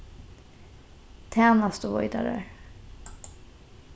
tænastuveitarar